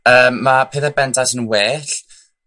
Yy ma' petha bendant yn well.